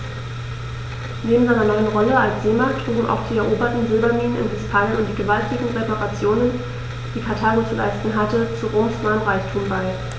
Neben seiner neuen Rolle als Seemacht trugen auch die eroberten Silberminen in Hispanien und die gewaltigen Reparationen, die Karthago zu leisten hatte, zu Roms neuem Reichtum bei.